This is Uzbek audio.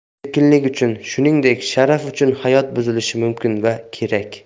erkinlik uchun shuningdek sharaf uchun hayot buzilishi mumkin va kerak